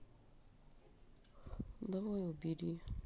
давай убери